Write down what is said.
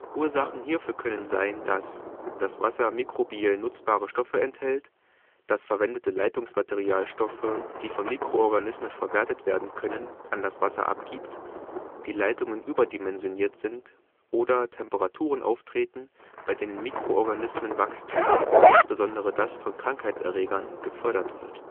Ursachen hierfür können sein, dass: das Wasser mikrobiell nutzbare organische Stoffe enthält, das verwendete Leitungsmaterial Stoffe, die von Mikroorganismen verwertet werden können, an das Wasser abgibt, die Leitungen überdimensioniert sind, Temperaturen auftreten, bei denen Mikroorganismenwachstum, insbesondere das von Krankheitserregern, gefördert wird